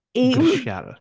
I... grisial!